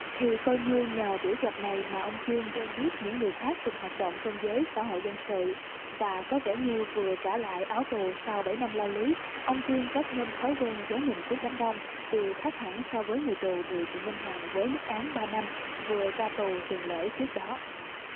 thì coi như nhờ buổi gặp này mà ông trương quen biết những người khác cùng hoạt động trong giới xã hội dân sự và có vẻ như vừa trả lại áo tù sau bảy năm lao lý ông chương có thêm thói quen giấu mình trước đám đông đều khác hẳn so với người tù bùi thị minh hằng với mức án ba năm vừa ra tù tuần lễ trước đó